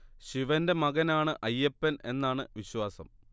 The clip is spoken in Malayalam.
ശിവന്റെ മകൻ ആണ് അയ്യപ്പൻ എന്നാണ് വിശ്വാസം